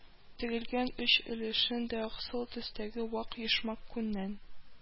Тегелгән, оч өлешен дә аксыл төстәге вак йомшак күннән